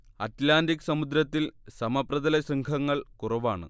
Atlantic സമുദ്രത്തിൽ സമപ്രതലശൃംഖങ്ങൾ കുറവാണ്